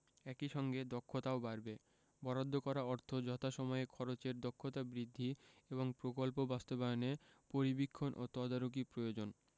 একই সঙ্গে দক্ষতাও বাড়বে বরাদ্দ করা অর্থ যথাসময়ে খরচের দক্ষতা বৃদ্ধি এবং প্রকল্প বাস্তবায়নে পরিবীক্ষণ ও তদারকি প্রয়োজন